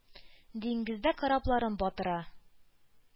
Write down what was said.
Диңгездә корабларын батыра.